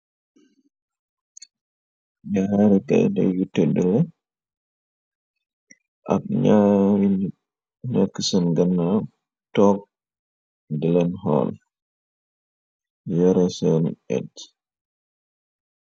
Nyaari gayde yu tedd, ak ñaari nit nekk seen gannaaw toog, dilen xool, yëre seen edd.